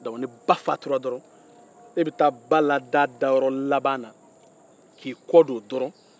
dɔnku ni ba fatura dɔrɔn e bɛ taa ba dayɔrɔ laban na k'i kɔdon dɔrɔn